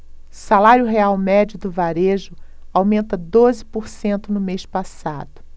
salário real médio do varejo aumenta doze por cento no mês passado